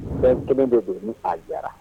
Fɛn kelen bɛ bolo ni a diyara